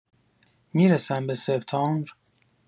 می‌رسم به سپتامبر؟